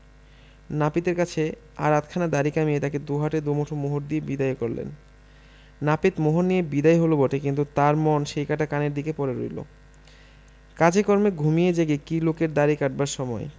নাপিতের কাছে আর আধখানা দাড়ি কামিয়ে তাকে দু হাতে দু মুঠো মোহর দিয়ে বিদায় করলেন নাপিত মোহর নিয়ে বিদায় হল বটে কিন্তু তার মন সেই কাটা কানের দিকে পড়ে রইল কাজে কর্মে ঘুমিয়ে জেগে কী লোকের দাড়ি কাটবার সময়